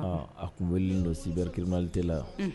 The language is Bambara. Aa a tun wele dɔ sibirikirimali tɛla yan